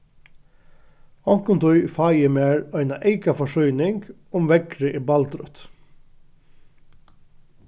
onkuntíð fái eg mær eina eyka forsýning um veðrið er baldrut